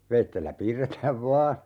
veitsellä piirretään vain